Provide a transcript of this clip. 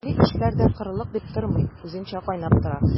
Милли эшләр дә корылык дип тормый, үзенчә кайнап тора.